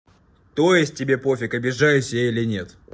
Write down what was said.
то есть тебе пофиг обижаюсь я или нет